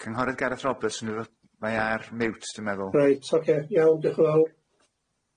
Cynghorydd Gareth Roberts ma'i ar miwt dwi'n meddwl. Reit oce iawn diolch yn fawr.